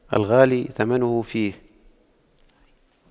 الغالي ثمنه فيه